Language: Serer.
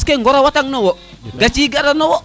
parce ŋorang watan nawo gaci gara na wo